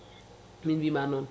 min wima noon